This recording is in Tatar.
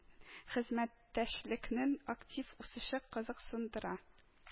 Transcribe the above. Хезмәттәшлекнең актив үсеше кызыксындыра